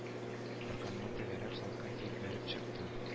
Аркамнан тәгәрәп салкын тир бәреп чыкты